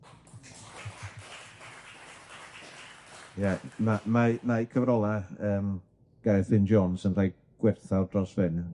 Ie, na- mae mae cyfrola yym Gareth Wyn Jones yn rhai gwerthfawr dros ben.